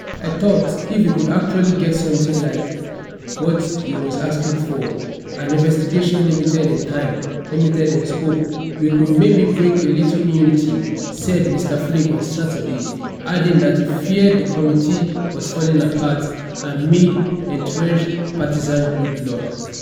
"I thought, if we could actually get something like what he was asking for - an investigation limited in time, limited in scope - we could maybe bring a little unity," said Mr Flake on Saturday, adding that he feared the committee was "falling apart" amid entrenched partisan gridlock.